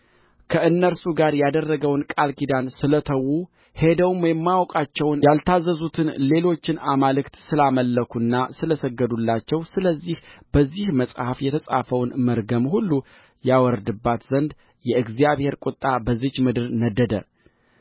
ከእነርሱ ጋር ያደረገውን ቃል ኪዳን ስለተዉ ሄደውም የማያውቋቸውንና ያልታዘዙትን ሌሎችን አማልክት ስላመለኩና ስለ ሰገዱላቸው ስለዚህ በዚህ መጽሐፍ የተጻፈውን መርገም ሁሉ ያወርድባት ዘንድ የእግዚአብሔር ቍጣ በዚህች ምድር ነደደ